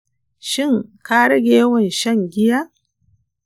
shin ka rage yawan shan giya?